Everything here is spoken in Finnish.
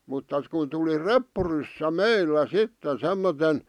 mutta kun tuli reppuryssä meillä sitten semmoisen